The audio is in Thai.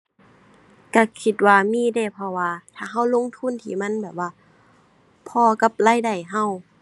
ก็คิดว่ามีเดะ เพราะว่าถ้าก็ลงทุนที่มันแบบว่าพอกับรายได้ก็